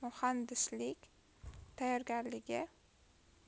muhandislik tayyorgarligi